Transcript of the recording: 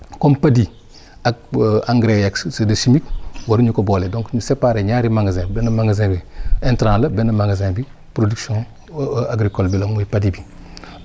comme padi ak engrais yeeg c' est des chimiques waruñu ko boole donc ñu séparer ñaari magasin benn magasin bi intrant la benn magasin bi production agricole bi la muy padi bi